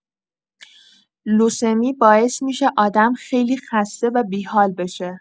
لوسمی باعث می‌شه آدم خیلی خسته و بی‌حال بشه.